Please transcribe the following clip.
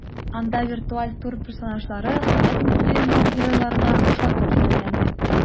Анда виртуаль тур персонажлары совет мультфильмы геройларына охшатып сурәтләнгән.